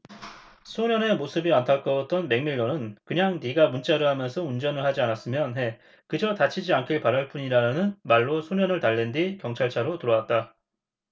소년의 모습이 안타까웠던 맥밀런은 그냥 네가 문자를 하면서 운전을 하지 않았으면 해 그저 다치지 않길 바랄 뿐이야라는 말로 소년을 달랜 뒤 경찰차로 돌아왔다